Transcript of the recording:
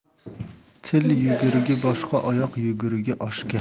til yugurigi boshga oyoq yugurigi oshga